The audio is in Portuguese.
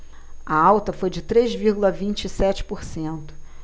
a alta foi de três vírgula vinte e sete por cento